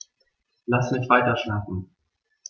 Lass mich weiterschlafen.